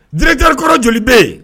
Directeur kɔrɔ joli be ye